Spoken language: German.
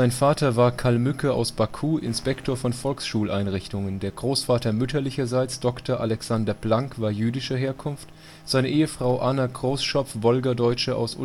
Vater war Kalmücke aus Baku, Inspektor von Volksschuleinrichtungen. Der Großvater mütterlicherseits Dr. Alexander Blank war jüdischer Herkunft, seine Ehefrau Anna Großschopf Wolgadeutsche aus